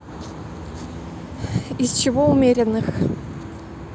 из чего умеренных